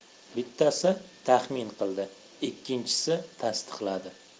bittasi taxmin qildi ikkinchisi tasdiqladi